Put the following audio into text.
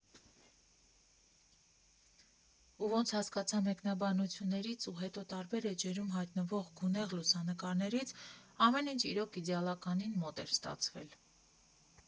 Ու ոնց հասկացա մեկնաբանություններից ու հետո տարբեր էջերում հայտնվող գունեղ լուսանկարներից՝ ամեն ինչ իրոք իդեալականին մոտ էր ստացվել։